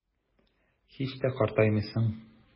Һич тә картаймыйсың.